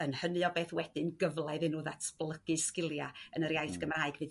yn hynny o beth wedyn gyfla iddyn n'w ddatblygu sgilia' yn yr iaith Gymraeg fydd